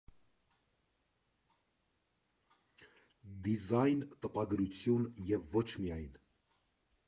Դիզայն, տպագրություն և ոչ միայն…